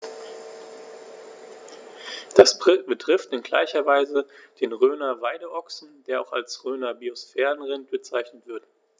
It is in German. Dies betrifft in gleicher Weise den Rhöner Weideochsen, der auch als Rhöner Biosphärenrind bezeichnet wird.